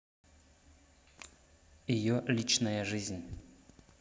ее личная жизнь